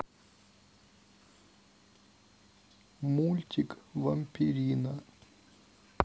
мультик вампирина